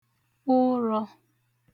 ụrọ̄